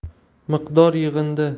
miqdor yig'indi